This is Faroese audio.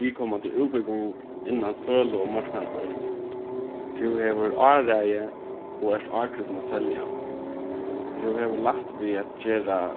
viðkomandi útbúgving innan sølu og marknaðarføring tú hevur áræði og ert ágrýtin at selja tú hevur lætt við at gera